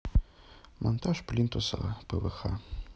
монтаж плинтуса пвх